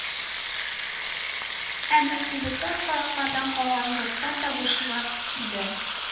Әмма кибетләр караклардан калган йорттан да бушрак иде